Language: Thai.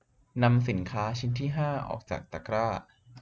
นำสินค้าชิ้นที่ห้าออกจากตะกร้า